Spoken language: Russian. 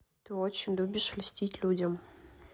ты очень любишь льстить людям